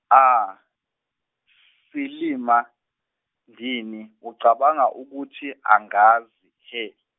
aaah silima ndini ucabanga ukuthi angazi, hhe?